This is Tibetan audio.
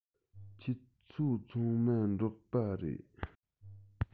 ཁྱོད ཚོ ཚང མ འབྲོག པ རེད